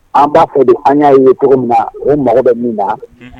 An b'a fɔ de an y'a ye cogo min na o mako bɛ min na, uhnhun,